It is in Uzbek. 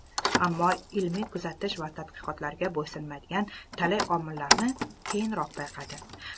ammo ilmiy kuzatish va tadqiqotlarga bo'ysunmaydigan talay omillarni keyinroq payqadi